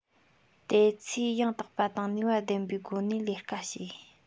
དེ ཚོས ཡང དག པ དང ནུས པ ལྡན པའི སྒོ ནས ལས ཀ བྱས